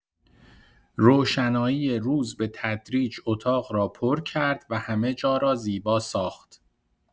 روشنایی روز به‌تدریج اتاق را پر کرد و همه‌جا را زیبا ساخت.